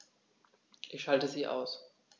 Ich schalte sie aus.